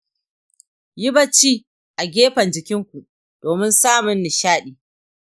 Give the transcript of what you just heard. yi bacci a gefen jikinku domin samun nishaɗi